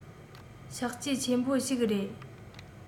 བཤག བཅོས ཆེན པོ ཞིག རེད